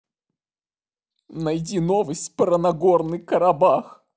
найди новость про нагорный карабах